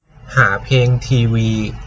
หาเพลงทีวี